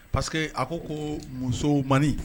Paseke a ko ko muso man